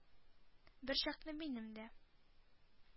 Берчакны минем дә